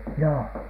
joo